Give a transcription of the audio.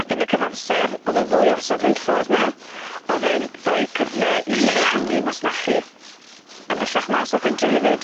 Ac yn y cyfamser o'dd y ddwy orsaf reilffordd 'ny o'dd e'n roi cyfle i ehangu masnachu ymellach mas o'r pentre hefyd.